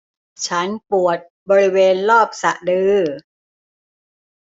ฉันปวดบริเวณรอบสะดือ